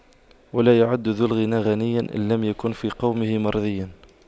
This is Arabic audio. ولا يعد ذو الغنى غنيا إن لم يكن في قومه مرضيا